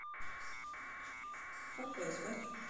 как вас звать